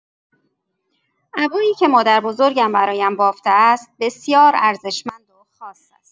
عبایی که مادربزرگم برایم بافته است، بسیار ارزشمند و خاص است.